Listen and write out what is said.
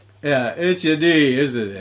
Ia it's your knee, isn't it?